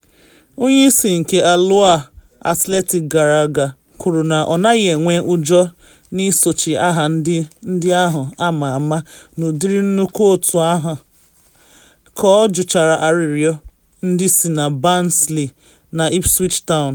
Onye isi nke Alloa Athletic gara aga kwuru na ọ naghị enwe ụjọ n’isochi aha ndị ahụ ama ama n’ụdịrị nnukwu otu ahụ, ka ọ jụchara arịrịọ ndị si na Barnsley na Ipswich Town.